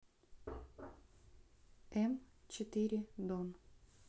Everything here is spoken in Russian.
м четыре дон